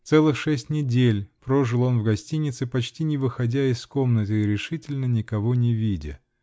Целых шесть недель прожил он в гостинице, почти не выходя из комнаты и решительно никого не видя.